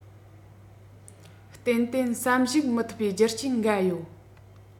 ཏན ཏན བསམ གཞིགས མི ཐུབ པའི རྒྱུ རྐྱེན འགའ ཡོད